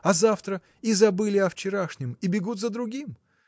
а завтра – и забыли о вчерашнем и бегут за другим.